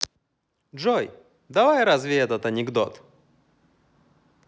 джой разве это анекдот